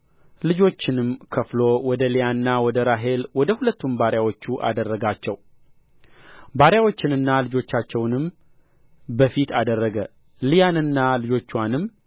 ልጆቹንም ከፍሎ ወደ ልያና ወደ ራሔል ወደ ሁለቱም ባሪያዎች አደረጋቸው ባሪያዎችንና ልጆቻቸውንም በፊት አደረገ ልያንና ልጆችዋንም